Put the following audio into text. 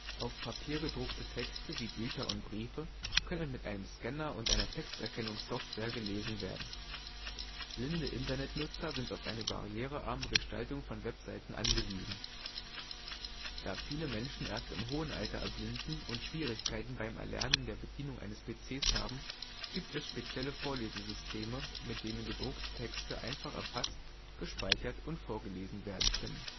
Auf Papier gedruckte Texte wie Bücher und Briefe können mit einem Scanner und einer Texterkennungssoftware gelesen werden. Blinde Internet-Nutzer sind auf eine barrierearme Gestaltung von Webseiten angewiesen. Da viele Menschen erst im hohen Alter erblinden und Schwierigkeiten beim Erlernen der Bedienung eines PCs haben, gibt es spezielle Vorlesesysteme, mit denen gedruckte Texte einfach erfasst, gespeichert und vorgelesen werden können